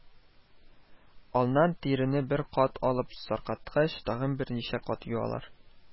Аннан тирене бер кат алып саркыткач, тагын берничә кат юалар